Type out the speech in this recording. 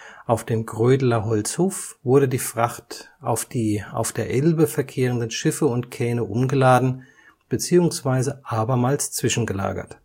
Auf dem Grödeler Holzhof wurde die Fracht auf die auf der Elbe verkehrenden Schiffe und Kähne umgeladen beziehungsweise abermals zwischengelagert